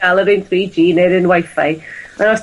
...ga' yr un three gee ne'r un Wifi, a os...